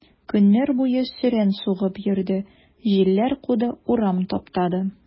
Көннәр буе сөрән сугып йөрде, җилләр куды, урам таптады.